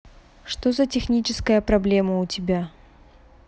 что за техническая проблема у тебя